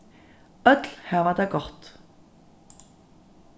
øll hava tað gott